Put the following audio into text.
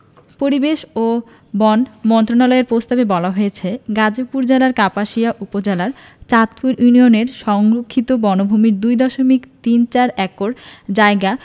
পরিবেশ ও বন মন্ত্রণালয়ের প্রস্তাবে বলা হয়েছে গাজীপুর জেলার কাপাসিয়া উপজেলার চাঁদপুর ইউনিয়নের সংরক্ষিত বনভূমির ২ দশমিক তিন চার একর